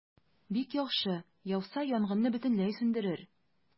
Бик яхшы, яуса, янгынны бөтенләй сүндерер.